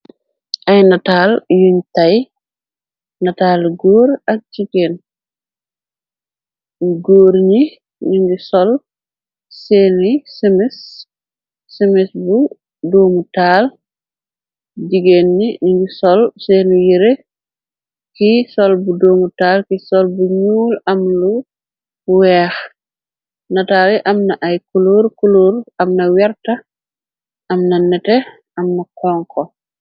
Ay nataal yuñ tay nataal góor ak jigeen góor ñi nungi sol sini simis bu doomu taal jigéen ni ningi sol seeni yere ki sol bu duomu taal ki sol bu ñuul am lu weex nataal i amna ay kuluur kuluur amna werta amna nete amna xonxu.